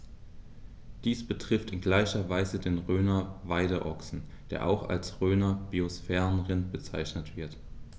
Dies betrifft in gleicher Weise den Rhöner Weideochsen, der auch als Rhöner Biosphärenrind bezeichnet wird.